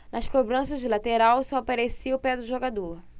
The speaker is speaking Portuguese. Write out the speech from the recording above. nas cobranças de lateral só aparecia o pé do jogador